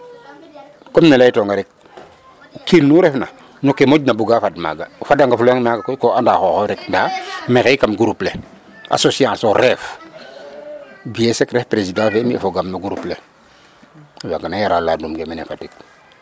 comme ne leyb tonga rek o kinu ref na no ke moƴ na buga fad maga o fada nga fula nge maga koy ko anda xoxof rek nda maxey kam groupe le association reef Biye Seck ref President fe mi fogaam no groupe lewaga na yara ladum ke mene Fatick